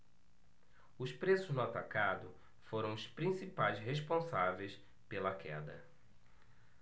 os preços no atacado foram os principais responsáveis pela queda